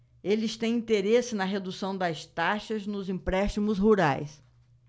eles têm interesse na redução das taxas nos empréstimos rurais